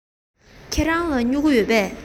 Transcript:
ཁྱེད རང ལ སྨྱུ གུ ཡོད པས